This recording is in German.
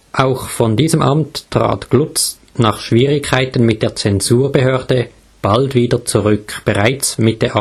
Auch von diesem Amt trat Glutz nach Schwierigkeiten mit der Zensurbehörde bald wieder zurück, bereits Mitte